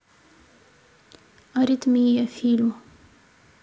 аритмия фильм